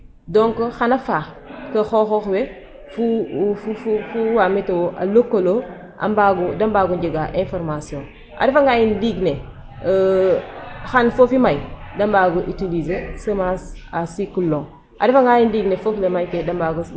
Donc xan a faax ke xooxoox we fo wa météo a lekoolo a mbaag o da mbaago njega information a refanga yee ndiig ne xan foof fu may da mbaag o utiliser semence a cycle long A refanga yee ndiig ne foof le maykee de mbaag o utiliser semence a cycle court donc ta ref ka andoona yee donc il de adapter ox fo nouvelle technologie fe météo.